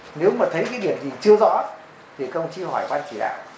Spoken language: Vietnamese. nếu mà thấy cái gì chưa rõ thì các đồng chí hỏi ban chỉ đạo